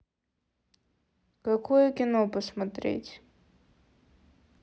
какое кино посмотреть